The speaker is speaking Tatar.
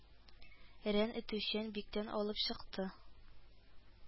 Рән етүчен биктән алып чыкты